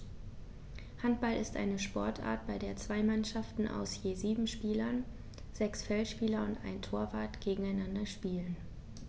Handball ist eine Sportart, bei der zwei Mannschaften aus je sieben Spielern (sechs Feldspieler und ein Torwart) gegeneinander spielen.